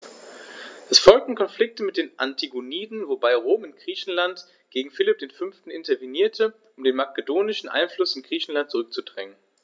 Es folgten Konflikte mit den Antigoniden, wobei Rom in Griechenland gegen Philipp V. intervenierte, um den makedonischen Einfluss in Griechenland zurückzudrängen.